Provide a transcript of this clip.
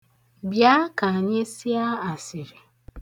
Bịa ka anyị sịa asịrị.